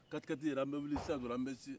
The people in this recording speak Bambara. kati-kati yɛrɛ an bɛ wuli sisan an bɛ se